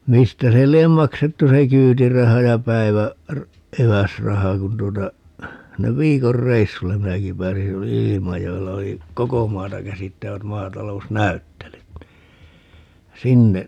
mistä se lie maksettu se kyytiraha ja päivä- - eväsraha kun tuota ne viikon reissulle minäkin pääsin silloin oli Ilmajoella oli koko maata käsittävät maatalousnäyttelyt niin sinne